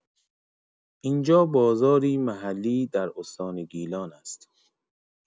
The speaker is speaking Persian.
اینجا بازاری محلی در استان گیلان است.